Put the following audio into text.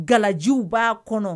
Gajiw b'a kɔnɔ